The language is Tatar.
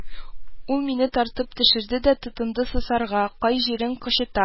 Ул мине тартып төшерде дә тотынды сосарга, кай җирең кычыта